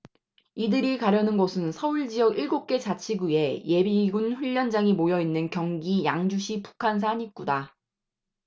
이들이 가려는 곳은 서울 지역 일곱 개 자치구의 예비군 훈련장이 모여 있는 경기 양주시 북한산 입구다